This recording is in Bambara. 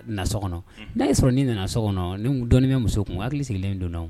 So kɔnɔ n'a y ye sɔrɔ nin nana so kɔnɔ ni dɔnnii bɛ muso kun hakili sigilen don